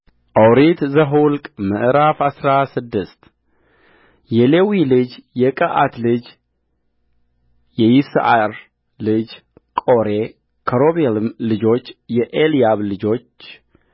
ኦሪት ዘኍልቍ ምዕራፍ አስራ ስድስት የሌዊም ልጅ የቀዓት ልጅ የይስዓር ልጅ ቆሬ ከሮቤልም ልጆች የኤልያብ ልጆች